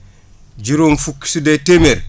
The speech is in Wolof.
juróom fukk su dee téeméer